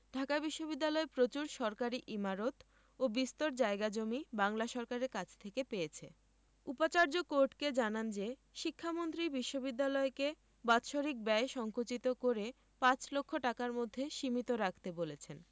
ঢাকা বিশ্ববিদ্যালয় প্রচুর সরকারি ইমারত ও বিস্তর জায়গা জমি বাংলা সরকারের কাছ থেকে পেয়েছে উপাচার্য কোর্টকে জানান যে শিক্ষামন্ত্রী বিশ্ববিদ্যালয়কে বাৎসরিক ব্যয় সংকুচিত করে পাঁচ লক্ষ টাকার মধ্যে সীমিত রাখতে বলেছেন